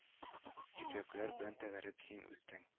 Чикләвекләр белән тәгәрәп син үстең